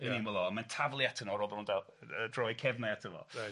Yn 'i ymyl o, a mae'n taflu atyn nw ar ôl iddyn nw dal yy droi cefnau ato fo. Reit.